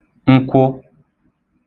nkwụ